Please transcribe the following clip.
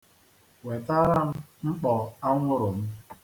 Wetara m mkpọ anwụṛụ m.